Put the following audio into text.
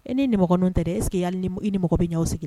I ni niɔgɔnin tɛ eseke i ni mɔgɔ bɛ ɲɛaw sigilen la